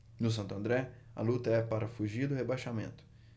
no santo andré a luta é para fugir do rebaixamento